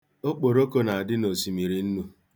Okporoko na-adị n'òsìmìrì nnū.